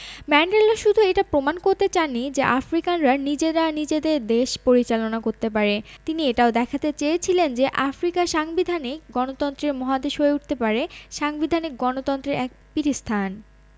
Mandela শুধু এটা প্রমাণ করতে চাননি যে আফ্রিকানরা নিজেরা নিজেদের দেশ পরিচালনা করতে পারে তিনি এটাও দেখাতে চেয়েছিলেন যে আফ্রিকা সাংবিধানিক গণতন্ত্রের মহাদেশ হয়ে উঠতে পারে সাংবিধানিক গণতন্ত্রের এক পীঠস্থান